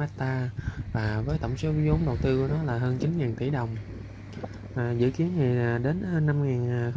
hecta và với tổng số vốn đầu tư của nó là hơn nghìn tỷ đồng mà đến hơn